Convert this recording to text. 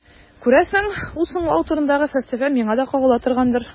Күрәсең, ул «соңлау» турындагы фәлсәфә миңа да кагыла торгандыр.